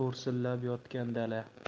po'rsillab yotgan dala